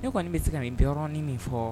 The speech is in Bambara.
Ne kɔni bɛ se ka ninɔrɔnin min fɔ